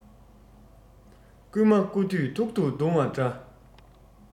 རྐུན མ རྐུ དུས ཐུག ཐུག རྡུང བ འདྲ